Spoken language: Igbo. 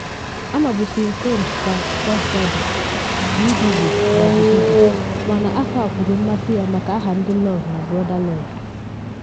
Amabụ Sean Combs ka Puff Daddy, P. Diddy ma ọ bụ Diddy, mana afọ a kwuru mmasị ya maka aha ndị Love na Brother Love.